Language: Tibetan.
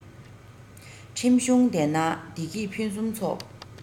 ཁྲིམས གཞུང ལྡན ན བདེ སྐྱིད ཕུན སུམ ཚོགས